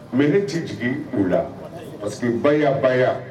Mɛ ne ci jigin k'u la parce que ba ba